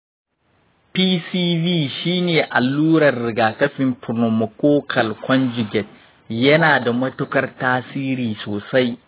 pcv shi ne allurar rigakafin pneumococcal conjugate. yana da matuƙar tasiri sosai.